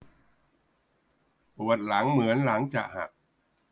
ปวดหลังเหมือนหลังจะหัก